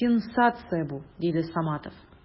Сенсация бу! - диде Саматов.